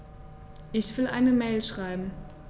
Ich will eine Mail schreiben.